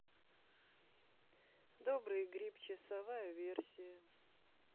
добрый гриб часовая версия